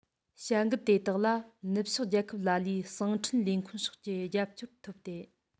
བྱ འགུལ དེ དག ལ ནུབ ཕྱོགས རྒྱལ ཁབ ལ ལའི གསང འཕྲིན ལས ཁུངས ཕྱོགས ཀྱི རྒྱབ སྐྱོར ཐོབ སྟེ